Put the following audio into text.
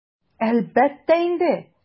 Әлбәттә инде!